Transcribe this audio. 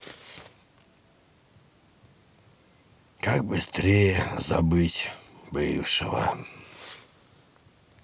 как быстрее забыть бывшего